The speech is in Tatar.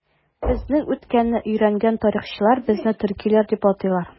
Безнең үткәнне өйрәнгән тарихчылар безне төркиләр дип атыйлар.